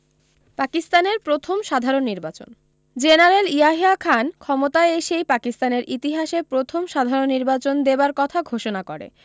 পাকিস্তানের প্রথম সাধারণ নির্বাচন জেনারেল ইয়াহিয়া খান ক্ষমতায় এসেই পাকিস্তানের ইতিহাসে প্রথম সাধারণ নির্বাচন দেবার কথা ঘোষণা করে